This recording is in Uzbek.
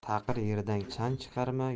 taqir yerdan chang chiqarma